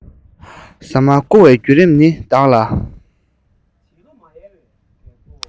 ཟ མ བརྐུ བའི བརྒྱུད རིམ ནི བདག ལ